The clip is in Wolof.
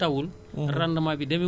lépp si sama boroom la dépendre